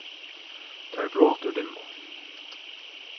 tað er brot úr dimmu